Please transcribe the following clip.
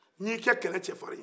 n ɲikɛ kɛle cɛfari ye